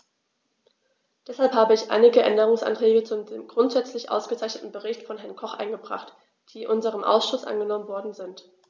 Deshalb habe ich einige Änderungsanträge zu dem grundsätzlich ausgezeichneten Bericht von Herrn Koch eingebracht, die in unserem Ausschuss angenommen worden sind.